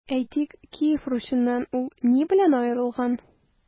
Әйтик, Киев Русеннан ул ни белән аерылган?